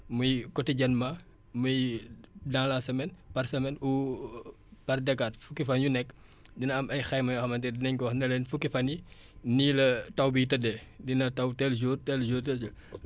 muy quotidiennement muy dans la semaine par semaine ou par décate fukki fan yu nekk dina am ay xayma yoo xamante ne nañ ko wax ne leen fukki fan yi nii la taw biy tëddee dina taw tel jour tel jour tel jour